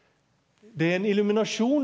det er ein illuminasjon.